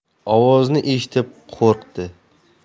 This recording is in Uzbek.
ovozni eshitib qo'rqdi